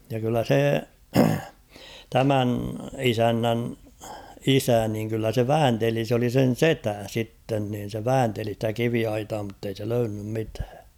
ja kyllä se tämän isännän isä niin kyllä se väänteli se oli sen setä sitten niin se väänteli sitä kiviaitaa mutta ei se löytänyt mitään